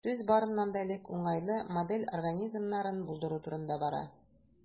Сүз, барыннан да элек, уңайлы модель организмнарын булдыру турында бара.